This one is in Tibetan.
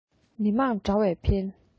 མི དམངས དྲ བའི འཕྲིན